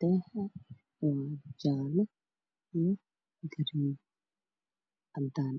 Daaha waa jaale, garee iyo cadaan.